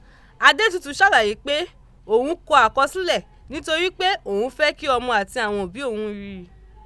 Adétutù sàlàyé pé òun kọ àkọsílẹ̀ nítori pé òun fẹ́ ki ọmọ àti àwọn òbi oun rí i.